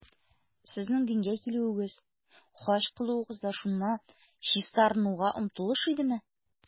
Сезнең дингә килүегез, хаҗ кылуыгыз да шуннан чистарынуга омтылыш идеме?